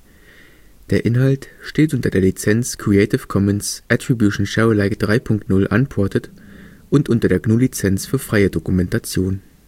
Inhalt steht unter der Lizenz Creative Commons Attribution Share Alike 3 Punkt 0 Unported und unter der GNU Lizenz für freie Dokumentation